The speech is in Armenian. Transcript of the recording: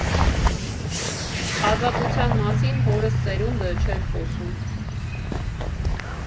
Ազատության մասին հորս սերունդը չէր խոսում.